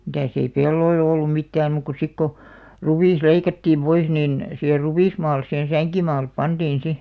mitäs ei pelloilla ollut mitään muuta kuin sitten kun ruis leikattiin pois niin siihen ruismaalle siihen sänkimaalle pantiin sitten